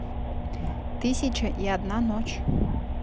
тысяча и одна ночь